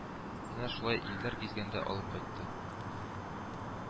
Әнә шулай илләр гизгәндә алып кайтты